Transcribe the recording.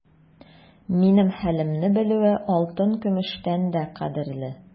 Минем хәлемне белүе алтын-көмештән дә кадерле.